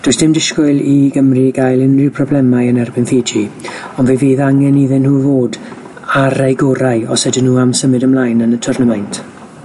Does dim disgwyl i Gymru gael unrhyw problemau yn erbyn Fiji, ond fe fydd angen iddyn nhw fod ar eu gorau os ydyn nhw am symud ymlaen yn y twrnamaint.